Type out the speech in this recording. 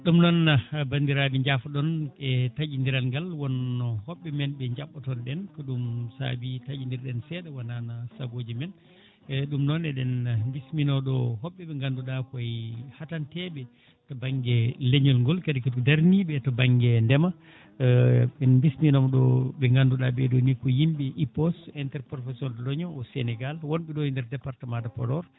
ɗum noon bandiraɓe jafoɗon e taƴidiral ngal wonno hiɓɓe men jabɓotono ɗen ɗum saabi taƴidirɗen seeɗa wona na saagoji men eyyi ɗum noon eɗen bisminoɗo yobɓe ɓe ganduɗa koyi hatanteɓe to banggue leeñol kadi koɓe daraniɓe to banggue ndema en bisminoma ɗo ɓe ganduɗa ɓeeɗo ni ko yimɓe IPOS interprofession de l' oignon au Sénégal wonɓe ɗe e nder département de Podor